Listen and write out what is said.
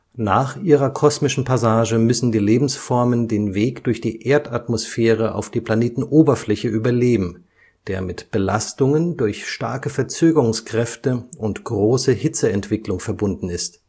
Nach ihrer kosmischen Passage müssen die Lebensformen den Weg durch die Erdatmosphäre auf die Planetenoberfläche überleben, der mit Belastungen durch starke Verzögerungskräfte und große Hitzeentwicklung verbunden ist